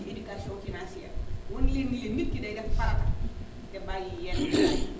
éducation fiçnancière wan neen ni leen nit ki day def farata te bàyyi yenn détail yi